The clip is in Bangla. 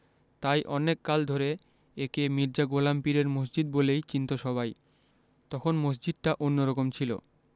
তাই অনেক কাল ধরে একে মির্জা গোলাম পীরের মসজিদ বলেই চিনতো সবাই তখন মসজিদটা অন্যরকম ছিল